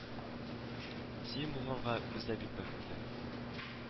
Син булганга без дә бик бәхетле